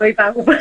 ...rhoi i bawb.